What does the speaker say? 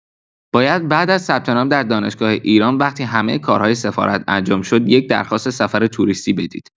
باید بعد از ثبت‌نام در دانشگاه ایران وقتی همه کارهای سفارت انجام شد یک درخواست سفر توریستی بدید